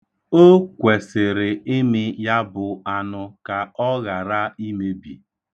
O kwesịrị ịmị ya bụ anụ ka ọ ghara imebi.